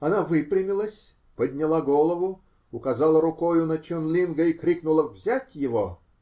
Она выпрямилась, подняла голову, указала рукою на Чун-Линга и крикнула: -- Взять его!.